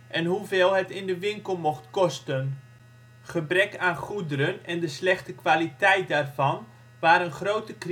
en hoeveel het in de winkel mocht kosten. Gebrek aan goederen en de slechte kwaliteit daarvan waren grote